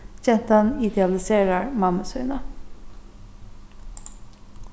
gentan idealiserar mammu sína